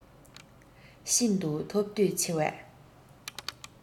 ཤིན ཏུ ཐོབ འདོད ཆེ བས